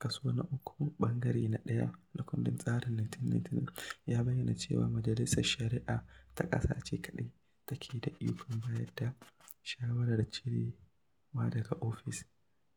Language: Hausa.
Kaso na Uku, ɓangare na 1 na kundin tsarin 1999 ya bayyana cewa Majalisar Shari'a ta ƙasa ce kaɗai take da ikon bayar da shawarar cirewa daga ofis.